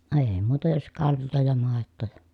ei muuta jos kaljaa ja maitoa ja